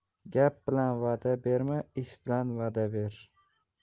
gap bilan va'da berma ish bilan va'da ber